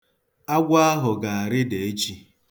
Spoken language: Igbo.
Agwọ ahụ ga-arịda echi.